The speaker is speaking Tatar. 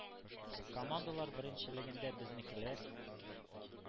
Командалар беренчелегендә безнекеләр,